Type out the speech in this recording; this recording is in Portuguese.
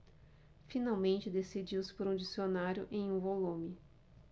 finalmente decidiu-se por um dicionário em um volume